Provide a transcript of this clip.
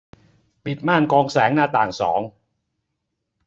ปิดม่านกรองแสงหน้าต่างสอง